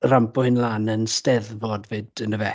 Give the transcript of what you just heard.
ampio hyn lan yn Steddfod 'fyd yndyfe?